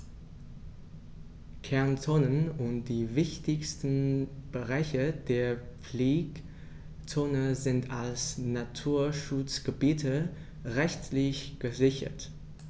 Kernzonen und die wichtigsten Bereiche der Pflegezone sind als Naturschutzgebiete rechtlich gesichert.